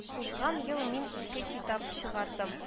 - узган ел мин ике китап чыгардым